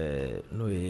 Ɛɛ n'o ye